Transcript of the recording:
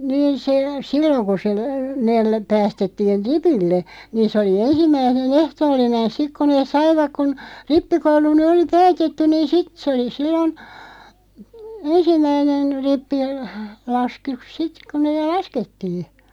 niin se silloin kun se ne päästettiin ripille niin se oli ensimmäinen ehtoollinen sitten kun ne saivat kun rippikoulu nyt oli päätetty niin sitten se oli silloin ensimmäinen --- sitten kun ne laskettiin